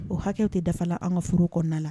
O hakɛ tɛ dafa la an ka furu kɔnɔna la